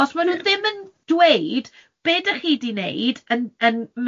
os maen nhw ddim yn dweud be' 'dach chi 'di 'neud yn yn